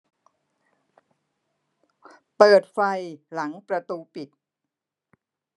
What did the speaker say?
เปิดไฟหลังประตูปิด